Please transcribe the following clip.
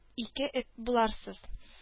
Ике эт буларсыз